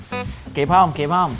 kịp không kịp không